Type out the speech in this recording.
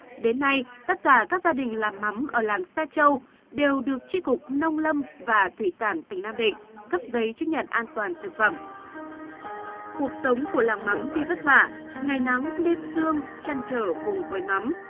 đến nay tất cả các gia đình làm mắm ở làng xa châu đều được chi cục nông lâm và thủy sản tỉnh nam định cấp giấy chứng nhận an toàn thực phẩm cuộc sống của làng mắm tuy vất vả ngày nắng đêm sương trăn trở cùng với mắm